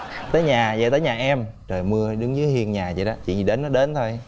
tới nhà về tới nhà em trời mưa đứng dưới hiên nhà vậy đó chuyện gì đến nó đến thôi